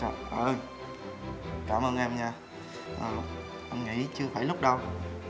trời ơi cảm ơn em nha ơ anh nghĩ chưa phải lúc đâu